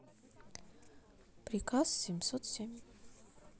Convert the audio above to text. приказ семьсот семь